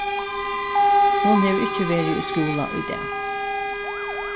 hon hevur ikki verið í skúla í dag